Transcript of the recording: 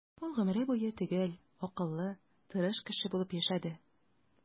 Ул гомере буе төгәл, акыллы, тырыш кеше булып яшәде.